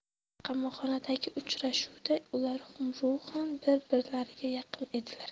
qamoqxonadagi uchrashuvda ular ruhan bir birlariga yaqin edilar